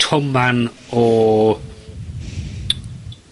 toman o ...